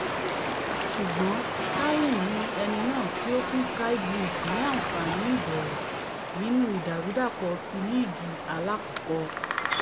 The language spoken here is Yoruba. Ṣùgbọ́n Sterling ni ẹni náà tí ó fún Sky Blues ní àǹfààní ìbẹ̀rẹ̀ nínú ìdàrúdàpọ̀ ti Líìgì Aláàkọ́kọ́.